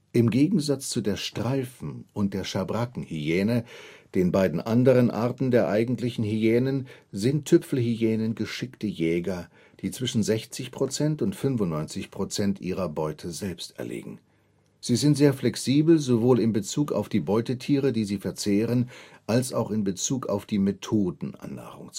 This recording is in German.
Im Gegensatz zu der Streifen - und der Schabrackenhyäne, den beiden anderen Arten der Eigentlichen Hyänen, sind Tüpfelhyänen geschickte Jäger, die zwischen 60 % und 95 % ihrer Beute selbst erlegen. Sie sind sehr flexibel sowohl in Bezug auf die Beutetiere, die sie verzehren, als auch in Bezug auf die Methoden, an Nahrung